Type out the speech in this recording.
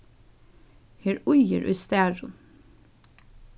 her ýðir í starum